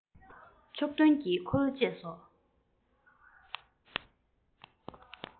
ཕྱོགས སྟོན གྱི འཁོར ལོ བཅས སོ